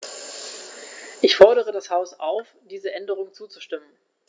Ich fordere das Haus auf, diesen Änderungen zuzustimmen.